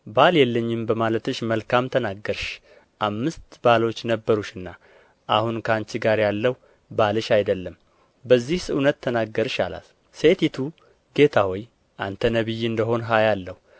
ባል የለኝም በማለትሽ መልካም ተናገርሽ አምስት ባሎች ነበሩሽና አሁን ከአንቺ ጋር ያለው ባልሽ አይደለም በዚህስ እውነት ተናገርሽ አላት ሴቲቱ ጌታ ሆይ አንተ ነቢይ እንደ ሆንህ አያለሁ